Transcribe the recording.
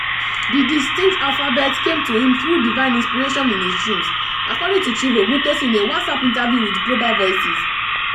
The distinct alphabet came to him through divine inspiration in his dreams, according to Chief Ògúntósìn in a Whatsapp interview with Global Voices.